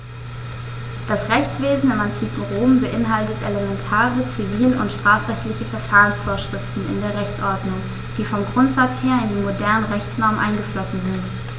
Das Rechtswesen im antiken Rom beinhaltete elementare zivil- und strafrechtliche Verfahrensvorschriften in der Rechtsordnung, die vom Grundsatz her in die modernen Rechtsnormen eingeflossen sind.